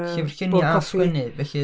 llyfr lluniau a sgwennu felly...